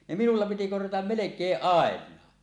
ne minulla piti korjata melkein ainakin